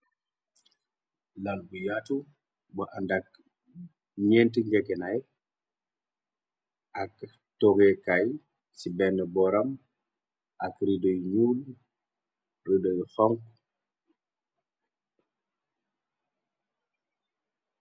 Lal bu yaatu bu andak ñnti ngenay ak togekaay ci bénn booram ak ridoy nuul ridoy xong.